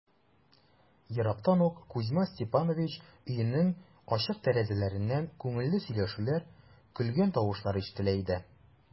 Ерактан ук Кузьма Степанович өенең ачык тәрәзәләреннән күңелле сөйләшүләр, көлгән тавышлар ишетелә иде.